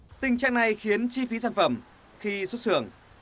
tình trạng này khiến chi phí sản phẩm khi xuất xưởng